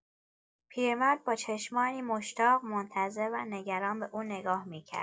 پیرمرد با چشمانی مشتاق، منتظر و نگران به او نگاه می‌کرد.